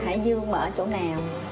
hải dương mà ở chỗ nào